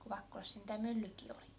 kun Vakkolassa sentään myllykin oli